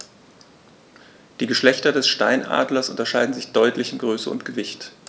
Die Geschlechter des Steinadlers unterscheiden sich deutlich in Größe und Gewicht.